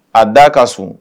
A da a ka sun